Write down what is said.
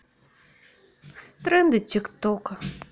тренды тик тока